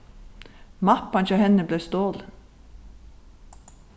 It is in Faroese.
mappan hjá henni bleiv stolin